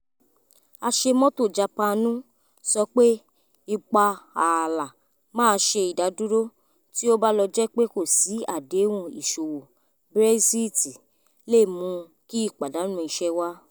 Aṣemọ́tò Jàpáàanù sọ pé ipa ààlà máa ṣe ìdádúró tí ó bá lọ jẹ́ pé kò sí àd’hpùn ìṣòwò Brexit lẹ́ mú kí ìpàdánù iṣẹ́ wà.